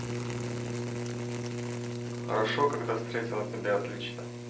хорошо когда встретила тебя отлично